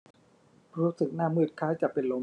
รู้สึกหน้ามืดคล้ายจะเป็นลม